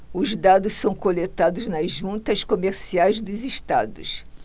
os dados são coletados nas juntas comerciais dos estados